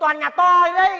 toàn nhà to đấy